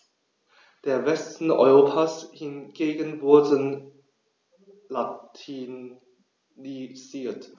Der Westen Europas hingegen wurde latinisiert.